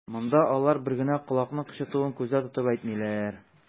Монда алар бер генә колакның кычытуын күздә тотып әйтмиләр.